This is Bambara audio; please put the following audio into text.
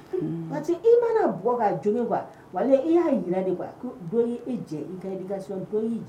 Mana y'